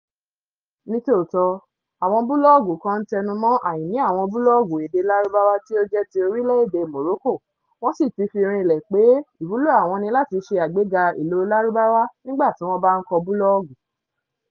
Ní tòótọ́, àwọn búlọ́ọ̀gù kan ń tẹnumọ́ àìní àwọn búlọ́ọ̀gù èdè Lárúbáwá tí ó jẹ́ ti orílẹ̀ èdè Morocco wọ́n sì ti fi rinlẹ̀ pé ìwúlò àwọn ni láti ṣe àgbéga ìlò Lárúbáwá nígbà tí wọ́n bá ń kọ búlọ́ọ̀gù.